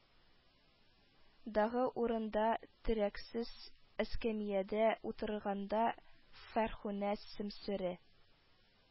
Дагы урында, терәксез эскәмиядә утырганда, фәрхунә, сөмсере